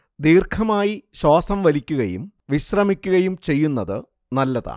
ദീർഘമായി ശ്വാസം വലിക്കുകയും വിശ്രമിക്കുകയും ചെയ്യുന്നത് നല്ലതാണ്